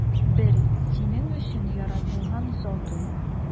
Бел: синең өчен яратылган зат ул!